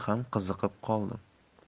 ham qiziqib qoldim